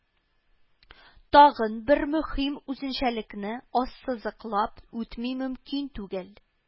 Тагын бер мөһим үзенчәлекне ассызыклап үтми мөмкин түгел